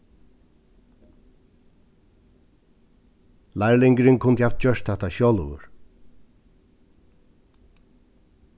lærlingurin kundi havt gjørt hatta sjálvur